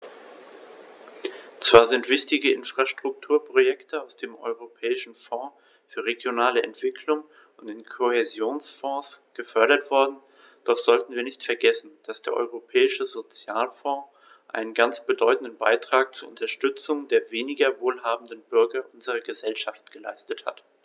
Zwar sind wichtige Infrastrukturprojekte aus dem Europäischen Fonds für regionale Entwicklung und dem Kohäsionsfonds gefördert worden, doch sollten wir nicht vergessen, dass der Europäische Sozialfonds einen ganz bedeutenden Beitrag zur Unterstützung der weniger wohlhabenden Bürger unserer Gesellschaft geleistet hat.